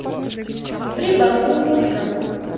прибаутка